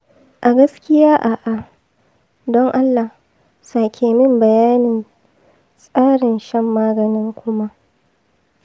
a gaskiya a'a; don allah sake min bayanin tsarin shan maganin kuma.